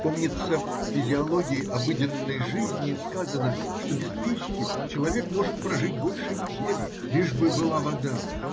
Помнится, в "Физиологии обыденной жизни" сказано, что без пищи человек может прожить больше недели, лишь бы была вода.